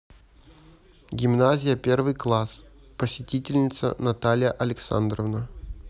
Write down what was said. гимназия первый класс посетительница наталья александровна